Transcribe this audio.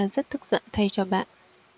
rất tức giận thay cho bạn